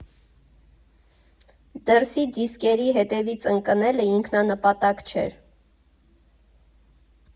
Դրսի դիսկերի հետևից ընկնելը ինքնանպատակ չէր։